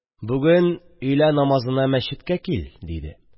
– бүген өйлә намазына мәчеткә кил, – диде.